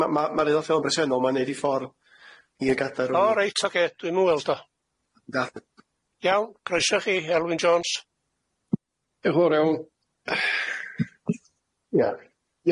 Ma' ma' ma'r aelo lleol presennol ma'n neud i ffor' i y gadar. O reit oce dwi'm yn weld o. Iawn croeso i chi Elwyn Jones. Diolch yn fowr iawn.